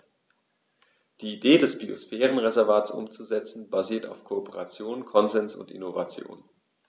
Die Idee des Biosphärenreservates umzusetzen, basiert auf Kooperation, Konsens und Innovation.